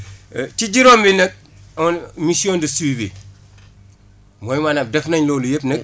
ci juróom yi nag on a mission de suivie mooy maanaam def nañ loolu yëpp nag